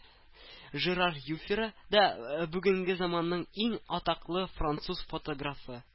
Жерар Юфера да – бүгенге заманның иң атаклы француз фотографы